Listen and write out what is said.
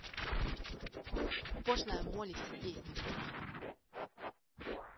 пошлая молли все песни bullet